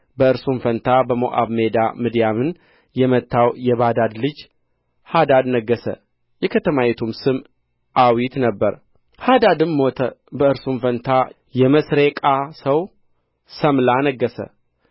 በእርሱም ፋንታ በሞዓብ ሜዳ ምድያምን የመታው የባዳድ ልጅ ሃዳድ ነገሠ የከተማይቱም ስም ዓዊት ነበረ ሃዳድም ሞተ በእርሱም ፋንታ የመሥሬቃ ሰው ሠምላ ነገሠ